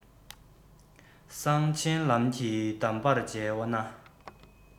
གསང ཆེན ལམ གྱི གདམས པར མཇལ བ ན